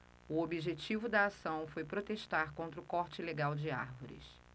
o objetivo da ação foi protestar contra o corte ilegal de árvores